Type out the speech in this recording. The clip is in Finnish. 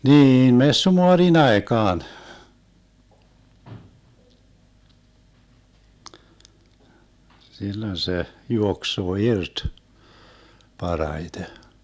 niin messumaarin aikaan silloin se juoksee irti parhaiten